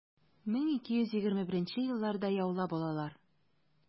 1221 елларда яулап алалар.